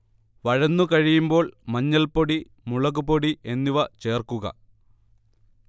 വഴന്നു കഴിയുമ്പോൾ മഞ്ഞൾപ്പൊടി, മുളക്പൊടി എന്നിവ ചേർക്കുക